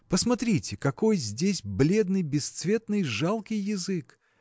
Посмотрите, какой здесь бледный, бесцветный, жалкий язык!